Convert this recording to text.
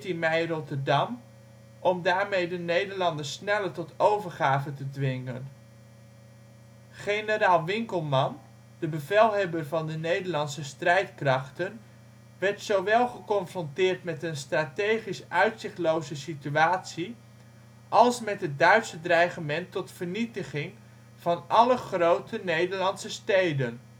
mei Rotterdam om daarmee de Nederlanders sneller tot overgave te dwingen. Generaal Winkelman, de bevelhebber van de Nederlandse Strijdkrachten werd zowel geconfronteerd met een strategisch uitzichtloze situatie als met het Duitse dreigement tot vernietiging van alle grote Nederlandse steden